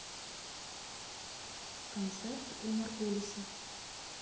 концерт у маргулиса